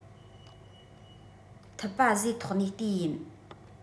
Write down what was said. ཐུབ པ བཟོས ཐོག ནས ལྟས ཡིན